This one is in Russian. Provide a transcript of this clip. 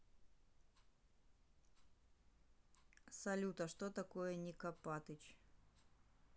салют а что такое не копатыч